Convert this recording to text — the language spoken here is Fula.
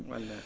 wallay